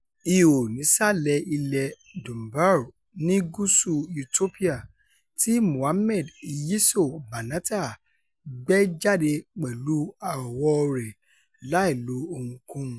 Ihò nísàlẹ̀ ilẹ̀ẹ Dunbar ní gúúsù Ethiopia tí Mohammed Yiso Banatah gbẹ́ jáde pẹ̀lú ọwọ́ọ rẹ̀ láì lo ohunkóhun.